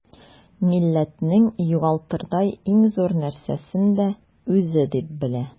Милләтнең югалтырдай иң зур нәрсәсен дә үзе дип белә.